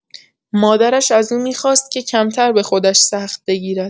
مادرش از او می‌خواست که کمتر به خودش سخت بگیرد.